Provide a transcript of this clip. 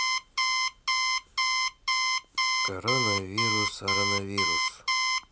коронавирус арановирус